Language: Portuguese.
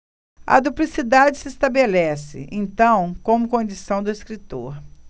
a duplicidade se estabelece então como condição do escritor